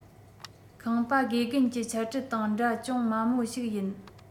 ཁང པ དགེ རྒན གྱི འཆད ཁྲིད དང འདྲ ཅུང དམའ མོ ཞིག ཡིན